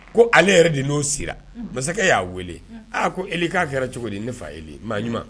Ko ale yɛrɛ de n'o sera masakɛ y'a wele aa ko e k'a kɛra cogo di ne fa e maa